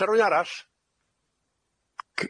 Se rywun arall?